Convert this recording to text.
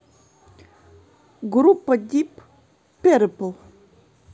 группа дип перпл